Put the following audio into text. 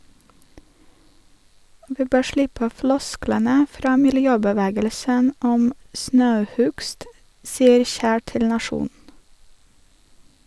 Vi bør slippe flosklene fra miljøbevegelsen om snauhugst, sier Kjær til Nationen.